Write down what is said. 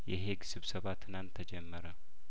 የሄግ ስብሰባ ትናንት ተጀመረ